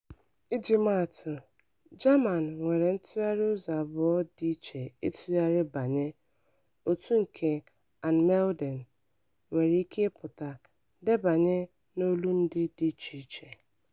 Iji maatụ, German nwere ntụgharị ụzọ abụọ dị iche ịtụgharị 'banye,' otu nke (anmelden) nwere ike ịpụta 'debanye' n'olundị dị iche iche.